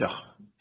Dioch.